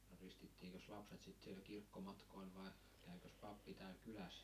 no ristittiinkös lapset sitten siellä kirkkomatkoilla vai kävikös pappi täällä kylässä